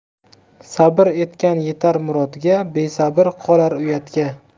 sabr etgan yetar murodga besabr qolar uyatga